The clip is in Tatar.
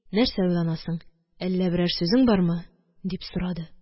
Нәрсә уйланасың, әллә берәр сүзең бармы? – дип сорады.